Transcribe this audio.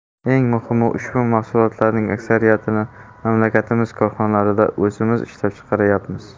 eng muhimi ushbu mahsulotlarning aksariyatini mamlakatimiz korxonalarida o'zimiz ishlab chiqaryapmiz